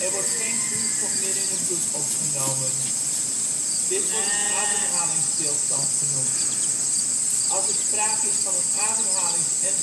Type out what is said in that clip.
wordt geen zuurstof meer in het bloed opgenomen. Dit wordt een ademhalingsstilstand genoemd. Als er sprake is van een ademhalings -, en